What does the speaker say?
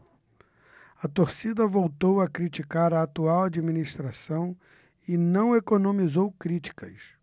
a torcida voltou a criticar a atual administração e não economizou críticas